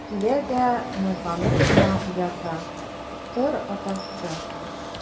Килә дә назлап кына уята: - Тор, атасы!